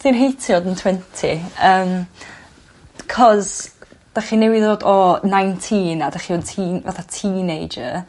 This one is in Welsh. Dwi'n heitio fo' yn twenty yym 'c'os 'dach chi newydd ddod o nineteen a 'dach chi 'mod teen fatha teenager